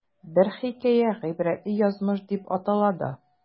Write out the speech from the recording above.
Бер хикәя "Гыйбрәтле язмыш" дип атала да.